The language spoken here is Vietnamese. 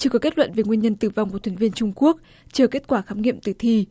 chưa có kết luận về nguyên nhân tử vong của thuyền viên trung quốc chờ kết quả khám nghiệm tử thi